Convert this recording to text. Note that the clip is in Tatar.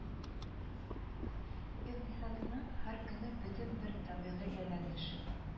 Икътисадының һәр көне бөтен бер табигый әйләнеш